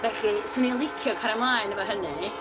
Felly, 'swn i'n licio cario mlaen efo hynny.